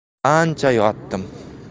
ancha yotdim